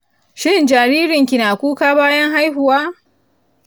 shin jaririnki na kuka bayan haihuwa